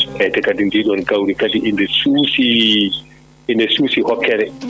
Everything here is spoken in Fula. eyyi te kadi ndiɗon gawri kadi indi suusi ene suusi hokkere